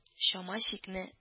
Чама-чикне